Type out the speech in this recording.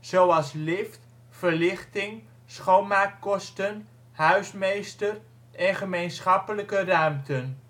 zoals lift, verlichting, schoonmaakkosten, huismeester en gemeenschappelijke ruimten